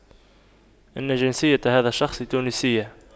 إن جنسية هذا الشخص تونسية